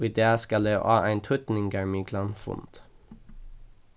í dag skal eg á ein týdningarmiklan fund